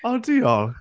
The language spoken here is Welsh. O diolch!